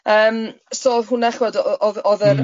Yym so odd hwnna chibod o- oedd oedd yr... M-hm.